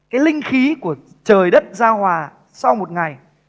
cái linh khí của trời đất giao hòa sau một ngày